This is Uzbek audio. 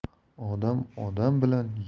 odam odam bilan